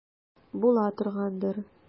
Була торгандыр.